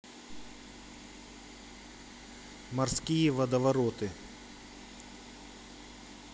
морские водовороты